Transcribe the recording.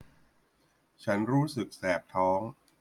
ฉันรู้สึกแสบท้อง